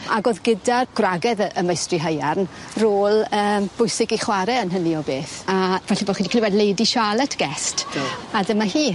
Ag o'dd gyda gwragedd y y meistri haearn rôl yym bwysig i chware yn hynny o beth a falle bo' chi 'di clywed Lady Charlotte Guest. Do. A dyma hi.